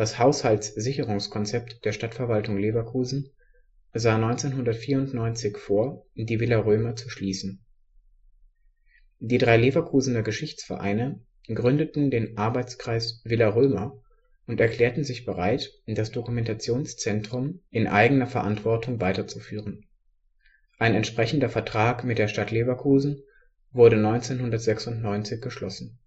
Haushaltssicherungskonzept der Stadtverwaltung Leverkusen sah 1994 vor, die Villa Römer zu schließen. Die drei Leverkusener Geschichtsvereine gründeten den Arbeitskreis Villa Römer und erklärten sich bereit, das Dokumentationszentrum in eigener Verantwortung weiterzuführen. Ein entsprechender Vertrag mit der Stadt Leverkusen wurde 1996 geschlossen